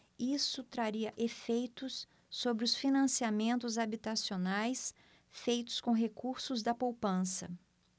isso traria efeitos sobre os financiamentos habitacionais feitos com recursos da poupança